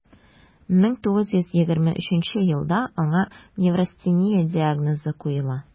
1923 елда аңа неврастения диагнозы куела: